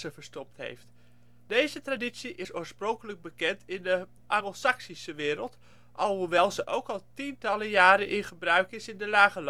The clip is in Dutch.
verstopt heeft. Deze traditie is oorspronkelijk bekend in de Angelsaksische wereld, alhoewel ze ook al tientallen jaren in gebruik is in de Lage